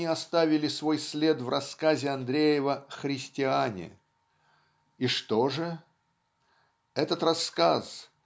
они оставили свой след в рассказе Андреева "Христиане". И что же? Этот рассказ